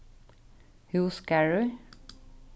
húsgarður